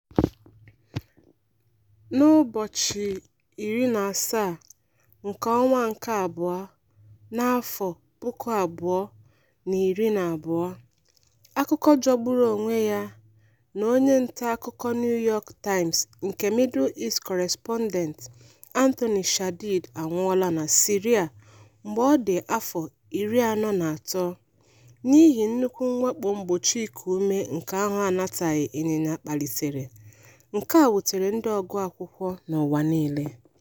Na Febụwarị 17, 2012, akụkọ jọgburu onwe ya na onye ntaakụkọ New York Times nke Middle East Correspondent Anthony Shadid anwụọla na Syria mgbe ọ dị afọ 43, n'ihi nnukwu mwakpo mgbochi ikuume nke ahụ anataghị ịnyịnya kpalitere, nke a wutere ndị ọgụụ akụkọ n'ụwa niile.